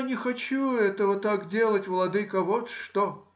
— Я не хочу этого так делать, владыко, вот что!